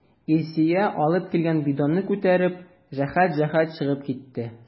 Илсөя алып килгән бидонны күтәреп, җәһәт-җәһәт чыгып китте.